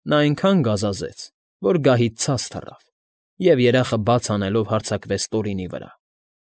Նա այնքան գազազեց, որ գահից ցած թռավ և, երախը բաց անելով, հարձակվեց Տորինի վրա։